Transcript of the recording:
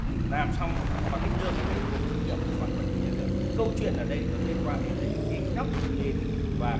làm xong mà cái đường đấy lại thuộc trách nhiệm cơ quan quản lý nhà nước câu chuyện ở đây nó liên quan đến là gì cái góc nhìn và